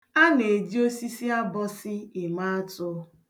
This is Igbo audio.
A na-eji osisi abọsị eme atụ.